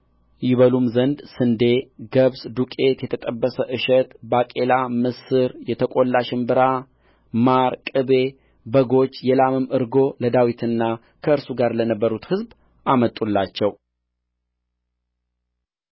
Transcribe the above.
ይበሉም ዘንድ ስንዴ ገብስ ዱቄት የተጠበሰ እሸት ባቄላ ምስር የተቈላ ሽንብራ ማር ቅቤ በጎች የላምም እርጎ ለዳዊትና ከእርሱ ጋር ለነበሩት ሕዝብ አመጡላቸው